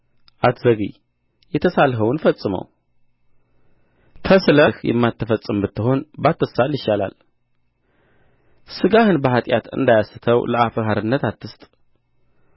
አትዘግይ የተሳልኸውን ፈጽመው ተስለህ የማትፈጽም ብትሆን ባትሳል ይሻላል ሥጋህን በኃጢአት እንዳያስተው ለአፍህ አርነት አትስጥ